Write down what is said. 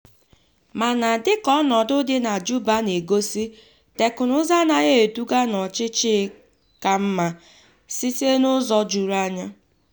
Mana, dịka ọnọdụ dị na Juba na-egosi, teknụzụ anaghị eduga n'ọchịchị ka mma site n'ụzọ juru anya.